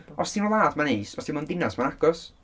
Os ti yn y wlad mae'n neis, os ti'n mewn dinas, mae'n agos.